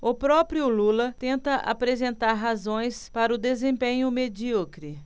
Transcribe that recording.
o próprio lula tenta apresentar razões para o desempenho medíocre